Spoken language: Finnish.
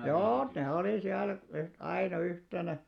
joo ne oli siellä - aina yhtenä